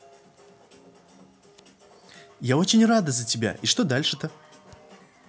я очень рада за тебя и что дальше то